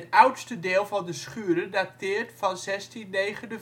oudste deel van de schuren dateert van 1649. De